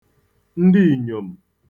ndịìnyòm̀